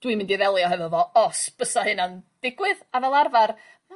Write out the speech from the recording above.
dw i'n mynd i ddelio hefo fo os bysa hynna'n digwydd a fel arfar ma' 'na